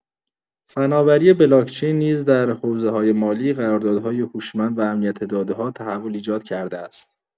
فناوری بلاکچین نیز در حوزه‌های مالی، قراردادهای هوشمند و امنیت داده‌ها تحول ایجاد کرده است.